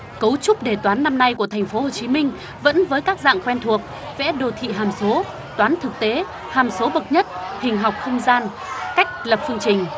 cấu trúc đề toán năm nay của thành phố hồ chí minh vẫn với các dạng quen thuộc vẽ đồ thị hàm số toán thực tế hàm số bậc nhất hình học không gian cách lập phương trình